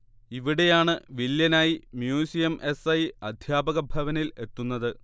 ഇവിടെയാണ് വില്ലനായി museum S. I അദ്ധ്യാപകഭവനിൽ എത്തുന്നത്